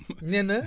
nee na